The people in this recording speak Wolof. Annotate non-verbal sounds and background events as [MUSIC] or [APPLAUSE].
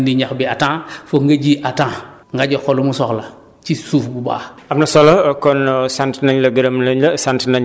parce que doo ji rek bàyyi noonu foog nga desherber à temps dindi ñax bi à temps [BREATH] foog nga ji à temps nga jox ko lu mu soxla ci suuf bu baax bi